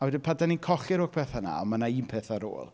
A wedyn pan dan ni'n colli'r holl bethe 'na, ma' 'na un peth ar ôl.